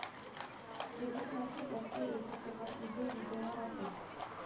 – безнең мәрхүм әткәй әйтә торган иде, – диде гарәфи